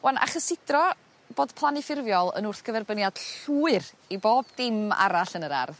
'Wan a chysidro bod plannu ffurfiol yn wrthgyferbyniad llwyr i bob dim arall yn yr ardd